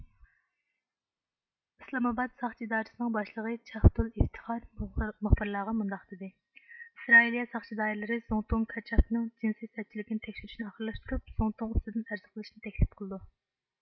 ئىسلامئاباد ساقچى ئىدارىسىنىڭ باشلىقى چاھدۇل ئىفتىخار مۇخبىرلارغا مۇنداق دېدى ئىسرائىلىيە ساقچى دائىرىلىرى زۇڭتۇڭ كاچافنىڭ جىنسىي سەتچىلىكىنى تەكشۈرۈشنى ئاخىرلاشتۇرۇپ زۇڭتۇڭ ئۈستىدىن ئەرز قىلىشنى تەكلىپ قىلدۇ